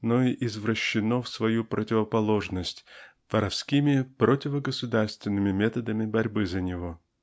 но и извращено в свою противоположность "воровскими" противогосударственными методами борьбы за него.